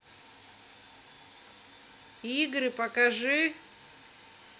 игры покажи